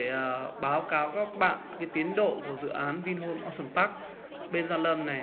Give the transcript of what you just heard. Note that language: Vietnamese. báo cáo các anh chị tiến độ dự án vinhomes ocean park